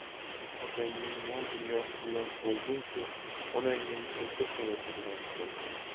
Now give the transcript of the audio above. otangning mol dunyosi bilan qolguncha onangning pilta savati bilan qol